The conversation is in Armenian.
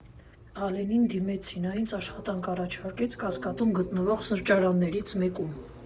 Ալենին դիմեցի, նա ինձ աշխատանք առաջարկեց Կասկադում գտնվող սրճարաններից մեկում։